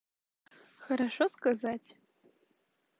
хорошо сказать